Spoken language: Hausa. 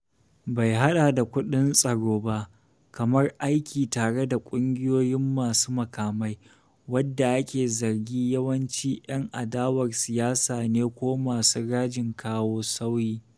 Bai hada da kudin tsaro ba, kamar aiki tare da ƙungiyoyin masu makamai, wadda ake zargi yawanci yan adawar siyasa ne ko masu rajin kawo sauyi.